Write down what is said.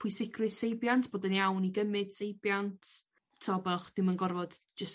pwysigrwydd seibiant bod yn iawn i gymyd seibiant t'o' bo'ch dim yn gorfod jyst